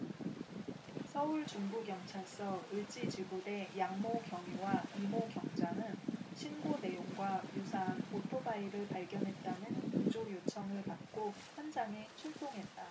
서울중부경찰서 을지지구대 양모 경위와 이모 경장은 신고 내용과 유사한 오토바이를 발견했다는 공조 요청을 받고 현장에 출동했다